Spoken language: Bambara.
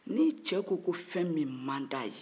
n'i cɛ ko ko fɛn min man di a ye